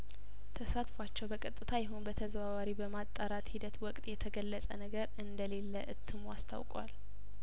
ተሳትፏቸው በቀጥታ ይሁን በተዘዋዋሪ በማጣራት ሂደት ወቅት የተገለጸ ነገር እንደሌለእትሙ አስታውቋል